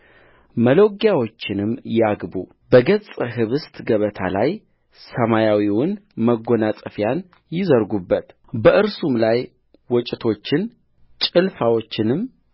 መሎጊያዎቹንም ያግቡበገጽ ኅብስት ገበታ ላይ ሰማያዊውን መጐናጸፊያ ይዘርጉበት በእርሱም ላይ ወጭቶቹን ጭልፋዎቹንም